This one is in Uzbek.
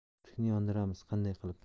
ko'prikni yondiramiz qanday qilib